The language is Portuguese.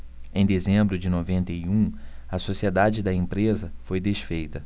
em dezembro de noventa e um a sociedade da empresa foi desfeita